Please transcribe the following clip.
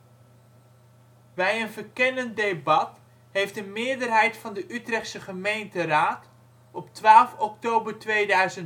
Bij een verkennend debat heeft een meerderheid van de Utrechtse gemeenteraad op 12 oktober 2006 besloten een